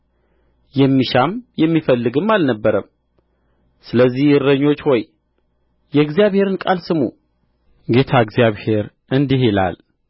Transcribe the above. የሚሻም የሚፈልግም አልነበረም ስለዚህ እረኞች ሆይ የእግዚአብሔርን ቃል ስሙ ጌታ እግዚአብሔር እንዲህ ይላል